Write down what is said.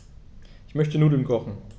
Ich möchte Nudeln kochen.